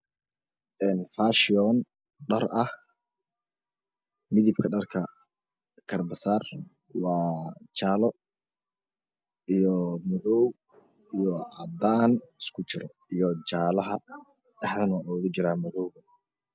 Dhar fashion ah dharka kalara kisi waa madow iyo cadan iyo iyo jale